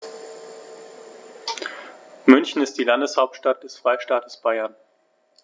München ist die Landeshauptstadt des Freistaates Bayern.